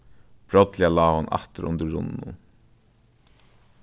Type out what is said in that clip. brádliga lá hon aftur undir runninum